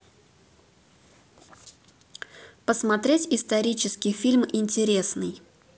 посмотреть исторический фильм интересный